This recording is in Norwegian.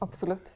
absolutt.